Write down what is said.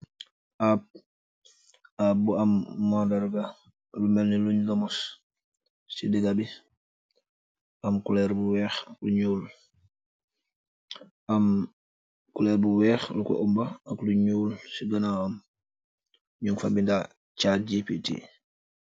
App, app bu am maandarr gah lu melni lungh lohmoss ci digah bi, am couleur bu wekh ak lu njull, am couleur bu wekh lukor ohmba ak lu njull ci ganawam, njungy fa binda chat gpt.